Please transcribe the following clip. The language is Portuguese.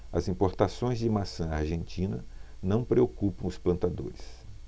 as importações de maçã argentina não preocupam os plantadores